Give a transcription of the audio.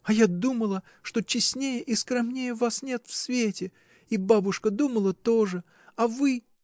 А я думала, что честнее и скромнее вас нет в свете, и бабушка думала то же. А вы.